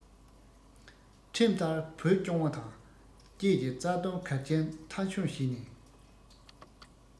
ཁྲིམས ལྟར བོད སྐྱོང བ དང བཅས ཀྱི རྩ དོན གལ ཆེན མཐའ འཁྱོངས བྱས ནས